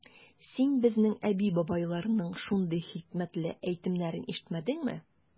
Син безнең әби-бабайларның шундый хикмәтле әйтемнәрен ишетмәдеңме?